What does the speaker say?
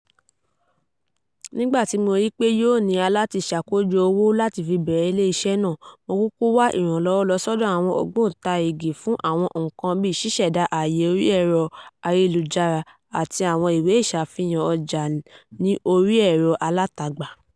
Nígbà tí mo ri pé yóò nira láti ṣàkójọ owó láti fi bẹ̀rẹ̀ iléeṣé náà, mo kúkú wá ìrànlọ́wọ́ lọ sọ́dọ̀ àwọn ògbóntarìgì fún àwọn nǹkan bíi ṣíṣẹda aàyè orí ẹ̀rọ ayélujára àtí àwọn ìwé ìṣafìhàn ọjà ní orí ẹ̀rọ alátagbà.